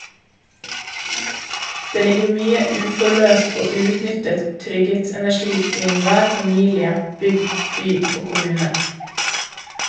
Det ligger mye uforløst og uutnyttet trygghetsenergi i enhver familie, bygd, by og kommune.